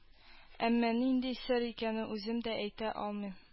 Әмма нинди сер икәнен үзем дә әйтә алмыйм